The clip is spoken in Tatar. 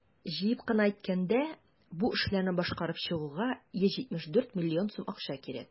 Җыеп кына әйткәндә, бу эшләрне башкарып чыгуга 174 млн сум кирәк.